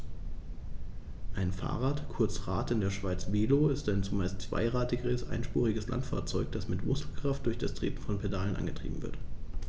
Ein Fahrrad, kurz Rad, in der Schweiz Velo, ist ein zumeist zweirädriges einspuriges Landfahrzeug, das mit Muskelkraft durch das Treten von Pedalen angetrieben wird.